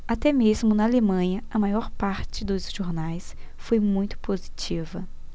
até mesmo na alemanha a maior parte dos jornais foi muito positiva